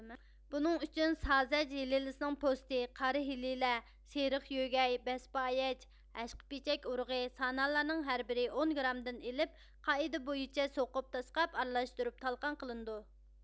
بۇنىڭ ئۈچۈن سازەج ھېلىلىسىنىڭ پوستى قارا ھېلىلە سېرىق يۆگەي بەسپايەج ھەشقىپىچەك ئۇرۇغى سانا لارنىڭ ھەر بىرى ئون گىرامدىن ئېلىپ قائىدە بويىچە سوقۇپ تاسقاپ ئارىلاشتۇرۇپ تالقان قىلىنىدۇ